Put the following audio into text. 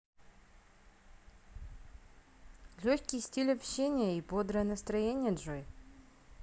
легкий стиль общения и бодрое настроение джой